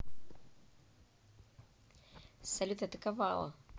салют атаковала